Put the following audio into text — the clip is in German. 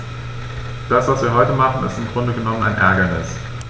Das, was wir heute machen, ist im Grunde genommen ein Ärgernis.